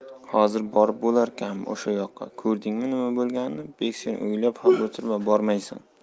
hozir borib bo'larkanmi o'sha yoqqa ko'rdingmi nima bo'lganini bek sen o'ylab ham o'tirma bormaysan